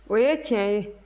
o ye tiɲɛ ye